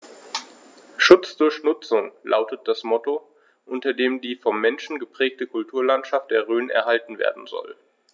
„Schutz durch Nutzung“ lautet das Motto, unter dem die vom Menschen geprägte Kulturlandschaft der Rhön erhalten werden soll.